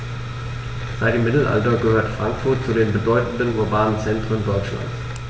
Seit dem Mittelalter gehört Frankfurt zu den bedeutenden urbanen Zentren Deutschlands.